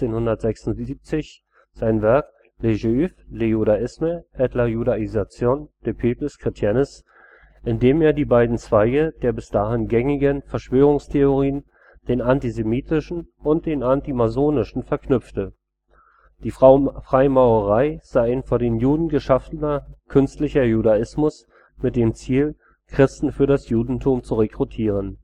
1876) sein Werk Le Juif, le judaisme et la judaisation des peuples chrétiennes, in dem er die beiden Zweige der bis dahin gängigen Verschwörungstheorien, den antisemitischen und den antimasonischen, verknüpfte: Die Freimaurerei sei ein von den Juden geschaffener „ künstlicher Judaismus “mit dem Ziel, Christen für das Judentum zu rekrutieren